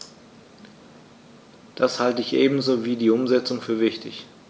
Das halte ich ebenso wie die Umsetzung für wichtig.